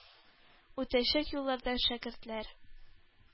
Үтәчәк юллардан шәкертләр